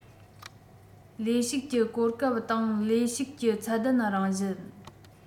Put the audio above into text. ལས ཞུགས ཀྱི གོ སྐབས དང ལས ཞུགས ཀྱི ཚད ལྡན རང བཞིན